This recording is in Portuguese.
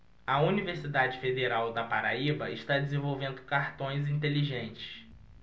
a universidade federal da paraíba está desenvolvendo cartões inteligentes